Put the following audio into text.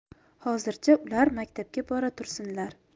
hozircha ular maktabga bora tursinlar